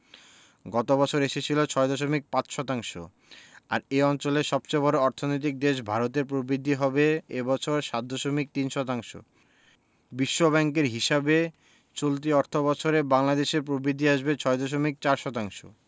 গত বছর এসেছিল ৬.৫ শতাংশ আর এ অঞ্চলের সবচেয়ে বড় অর্থনৈতিক দেশ ভারতের প্রবৃদ্ধি হবে এ বছর ৭.৩ শতাংশ বিশ্বব্যাংকের হিসাবে চলতি অর্থবছরে বাংলাদেশের প্রবৃদ্ধি আসবে ৬.৪ শতাংশ